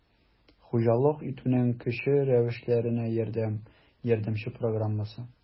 «хуҗалык итүнең кече рәвешләренә ярдәм» ярдәмче программасы